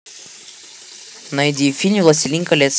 найди фильм властелин колец